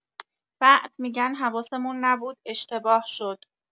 بعد می‌گن حواسمون نبود اشتباه شد